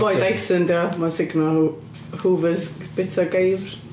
Boi Dyson 'di o mae'n sugno hoovers byta geifr.